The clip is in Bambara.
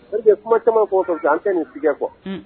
_ Ok kuma caman fɛn o fɛn filɛ an tɛ nin si kɛ quoi , un